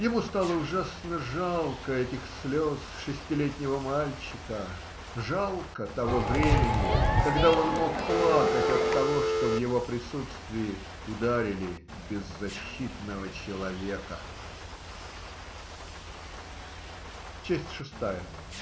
Ему стало ужасно жалко этих слез шестилетнего мальчика, жалко того времени, когда он мог плакать оттого, что в его присутствии ударили беззащитного человека. Часть шестая.